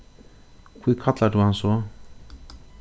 hví kallar tú hann so